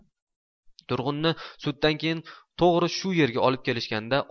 turg'unni suddan keyin to'g'ri shu yoqqa olib kelishganda